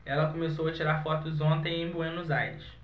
ela começou a tirar fotos ontem em buenos aires